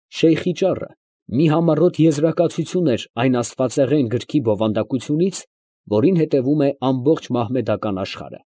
Շեյխի ճառը մի համառոտ եզրակացություն էր այն աստվածեղեն գրքի բովանդակությունից, որին հետևում է ամբողջ մահմեդական աշխարհը։